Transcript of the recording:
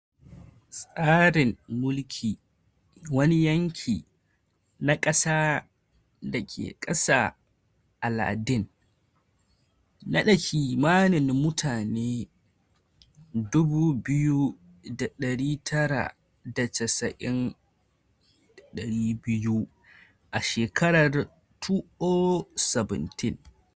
Tsarin mulki, wani yanki na kasa da ke ƙasa a lardin, nada kimanin mutane 299,200 a shekarar 2017.